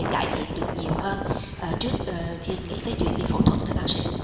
cải thiện được nhiều hơn trước khi đi nghĩ đến chuyện đi phẫu thuật thưa bác sĩ